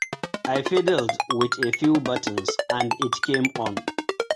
I fiddled with a few buttons and it came on.